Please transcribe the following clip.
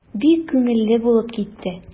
Бик күңелле булып китте.